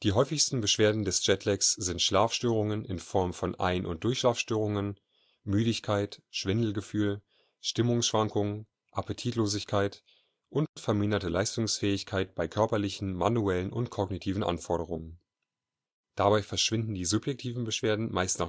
häufigsten Beschwerden des Jetlags sind Schlafstörungen in Form von Ein - und Durchschlafstörungen, Müdigkeit, Schwindelgefühl, Stimmungsschwankungen, Appetitlosigkeit und verminderte Leistungsfähigkeit bei körperlichen, manuellen und kognitiven Anforderungen. Dabei verschwinden die subjektiven Beschwerden meist